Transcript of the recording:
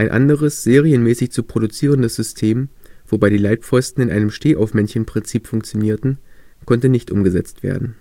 anderes serienmäßig zu produzierendes System, wobei die Leitpfosten in einem „ Stehaufmännchen “- Prinzip funktionierten, konnte nicht umgesetzt werden